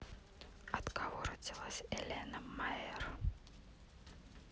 от кого родилась елена майер